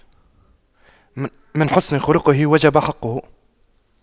من حسن خُلقُه وجب حقُّه